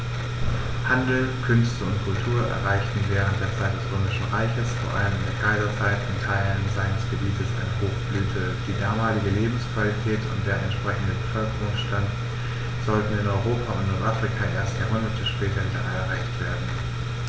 Handel, Künste und Kultur erreichten während der Zeit des Römischen Reiches, vor allem in der Kaiserzeit, in Teilen seines Gebietes eine Hochblüte, die damalige Lebensqualität und der entsprechende Bevölkerungsstand sollten in Europa und Nordafrika erst Jahrhunderte später wieder erreicht werden.